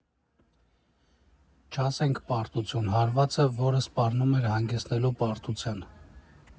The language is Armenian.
Չասենք պարտություն՝ հարվածը, որը սպառնում էր հանգեցնելու պարտության։